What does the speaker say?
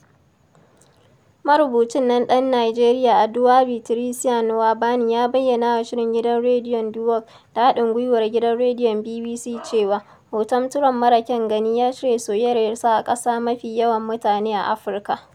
Marubucin nan ɗan Nijeriya Adaobi Tricia Nwaubani ya bayyana wa shirin gidan rediyon 'The World' da haɗin-gwiwar gidan rediyon BBC cewa, hoton Trump mara kyan gani ya cire soyayyarsa a ƙasa mafi yawan mutane a Afirka: